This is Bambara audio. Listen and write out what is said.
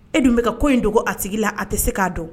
E dun bɛ ka ko in dogo a sigi la a tɛ se k'a don